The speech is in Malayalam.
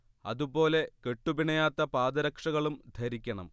അതു പോലെ കെട്ടു പിണയാത്ത പാദരക്ഷകളും ധരിക്കണം